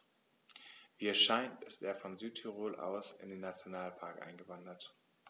Wie es scheint, ist er von Südtirol aus in den Nationalpark eingewandert.